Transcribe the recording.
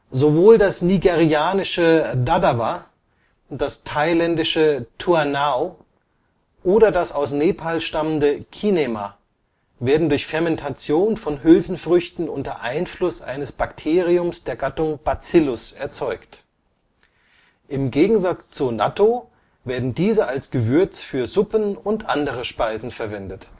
Sowohl das nigerianische Daddawa, das thailändische Thua nao oder das aus Nepal stammende Kinema werden durch Fermentation von Hülsenfrüchten unter Einfluss eines Bakteriums der Gattung Bacillus erzeugt. Im Gegensatz zu Nattō werden diese als Gewürz für Suppen und andere Speisen verwendet